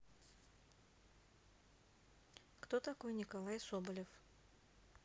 кто такой николай соболев